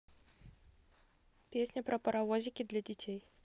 песня про паровозики для детей